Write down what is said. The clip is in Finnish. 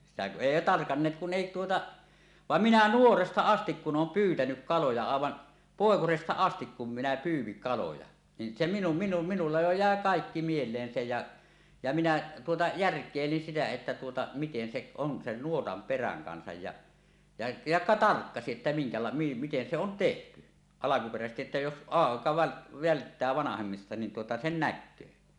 sitä kun ei tarkanneet kun ei tuota vaan minä nuoresta asti kun olen pyytänyt kaloja aivan poikasesta asti kun minä pyysin kaloja niin se -- minulla jo jäi kaikki mieleen se ja ja minä tuota järkeilin sitä että tuota miten se on sen nuotan perän kanssa ja ja ja tarkkasin että minkälainen miten se on tehty alkuperäisesti että jos aika - välttää vanhemmista niin tuota sen näkee